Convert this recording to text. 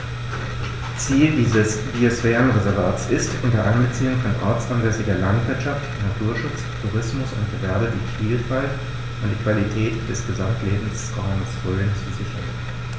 Ziel dieses Biosphärenreservates ist, unter Einbeziehung von ortsansässiger Landwirtschaft, Naturschutz, Tourismus und Gewerbe die Vielfalt und die Qualität des Gesamtlebensraumes Rhön zu sichern.